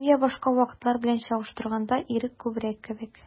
Гүя башка вакытлар белән чагыштырганда, ирек күбрәк кебек.